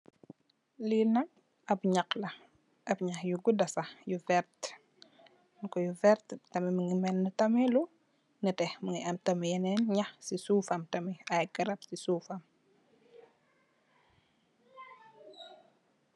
Li nak ab nyakh la , ab nyakh yu gudda sah , yu vert yu vert tamit mungi manni tamit, lu neteh , mungi am tamit yennen nyakh si suffam , tamit ay garab si suffam .